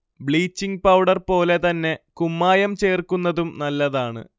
bleaching powder പോലെ തന്നെ കുമ്മായം ചേർക്കുന്നതും നല്ലതാണ്